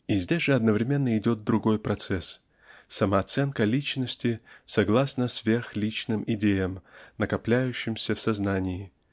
И здесь же одновременно идет другой процесс -- самооценка личности согласно сверхличным идеям накопляющимся в сознании